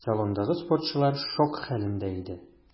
Салондагы спортчылар шок хәлендә иде.